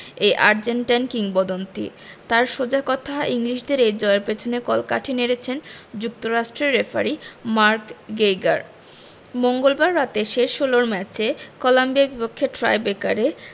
এই আর্জেন্টাইন কিংবদন্তি তাঁর সোজা কথা ইংলিশদের এই জয়ের পেছনে কলকাঠি নেড়েছেন যুক্তরাষ্ট্রের রেফারি মার্ক গেইগার মঙ্গলবার রাতে শেষ ষোলোর ম্যাচে কলম্বিয়ার বিপক্ষে টাইব্রেকারে